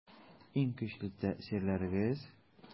Иң көчле тәэсирләрегез?